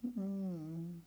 mm